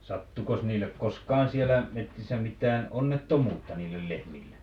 sattuikos niille koskaan siellä metsissä mitään onnettomuutta niille lehmille